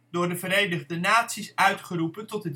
door de Verenigde Naties uitgeroepen tot